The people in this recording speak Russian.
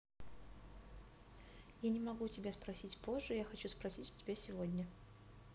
я не могу тебя спросить позже я хочу спросить у тебя сегодня